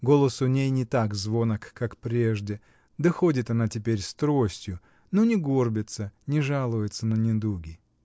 Голос у ней не так звонок, как прежде, да ходит она теперь с тростью, но не горбится, не жалуется на недуги.